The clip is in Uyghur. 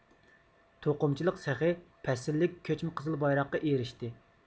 توقۇمىچىلىق سېخى پەسىللىك كۆچمە قىزىل بايراققا ئېرىشتى